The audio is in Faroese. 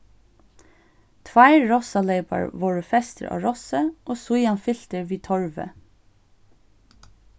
tveir rossaleypar vórðu festir á rossið og síðan fyltir við torvi